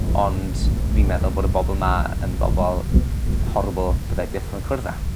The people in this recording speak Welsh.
ond fi'n meddwl bod y bobol 'ma yn bobol horrible fyddai byth mo'yn cwrdd â.